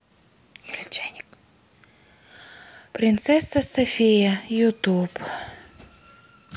принцесса софия ютуб